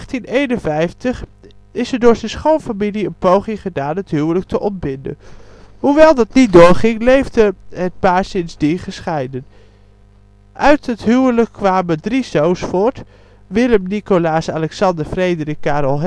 1851 is er door zijn schoonfamilie een poging gedaan het huwelijk te ontbinden. Hoewel dat niet doorging leefde het paar sindsdien gescheiden. Uit het huwelijk kwamen drie zoons voort: Willem Nicolaas Alexander Frederik Karel